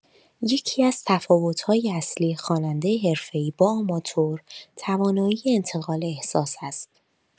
یکی‌از تفاوت‌های اصلی خواننده حرفه‌ای با آماتور، توانایی انتقال احساس است.